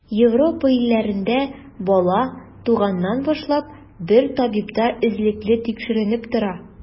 Европа илләрендә бала, туганнан башлап, бер табибта эзлекле тикшеренеп тора.